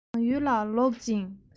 རང ཡུལ ལ ལོག ཅིང